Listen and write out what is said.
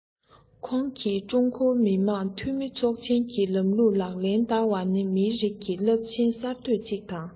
ཁོང གིས ཀྲུང གོར མི དམངས འཐུས མི ཚོགས ཆེན གྱི ལམ ལུགས ལག ལེན བསྟར བ ནི མིའི རིགས ཀྱི རླབས ཆེའི གསར གཏོད ཅིག དང